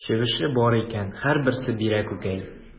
Чебеше бар икән, һәрберсе бирә күкәй.